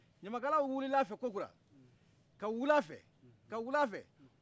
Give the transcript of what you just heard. ɲamakalaw wilila fɛ kokura ka wil'a fɛ ka wil'a fɛ